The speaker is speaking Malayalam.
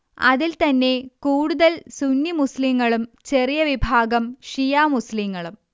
അതിൽ തന്നെ കൂടുതൽ സുന്നി മുസ്ലിങ്ങളും ചെറിയ വിഭാഗം ഷിയാ മുസ്ലിങ്ങളും